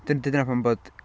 d- dyna pam bod...